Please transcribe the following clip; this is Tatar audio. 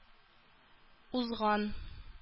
Узган